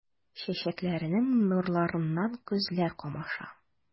Чәчәкләрнең нурларыннан күзләр камаша.